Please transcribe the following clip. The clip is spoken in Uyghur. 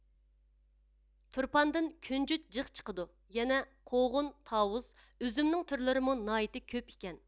تۇرپاندىن كۈنجۈت جىق چىقىدۇ يەنە قوغۇن تاۋۇز ئۈزۈمنىڭ تۈرلىرىمۇ ناھايىتى كۆپ ئىكەن